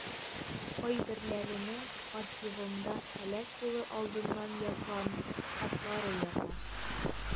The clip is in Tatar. Кайберләренең архивымда һәлак булыр алдыннан язган хатлары ята.